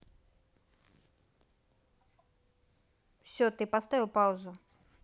все ты поставил паузу